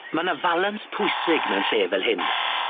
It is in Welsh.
Ma' 'na falans pwysig mewn lle fel hyn.